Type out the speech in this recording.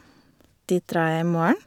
Dit drar jeg i morgen.